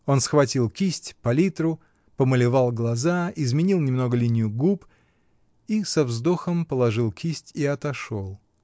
Он схватил кисть, палитру, помалевал глаза, изменил немного линию губ — и со вздохом положил кисть и отошел.